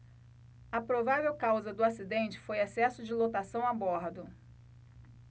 a provável causa do acidente foi excesso de lotação a bordo